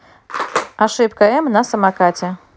ошибка м на самокате